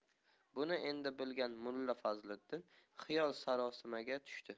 buni endi bilgan mulla fazliddin xiyol sarosimaga tushdi